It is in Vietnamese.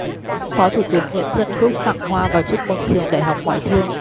phó thủ tướng nguyễn xuân phúc tặng hoa và chúc mừng trường đại học ngoại thương